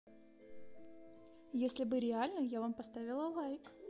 если бы реально я бы вам поставила лайк